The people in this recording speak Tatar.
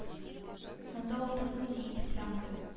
Монда ул тотмый ди ислямов